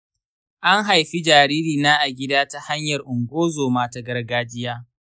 an haifi jaririna a gida ta hanyar ungozoma ta gargajiya.